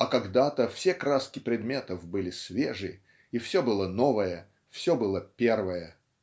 а когда-то все краски предметов были свежи и все было новое все было первое.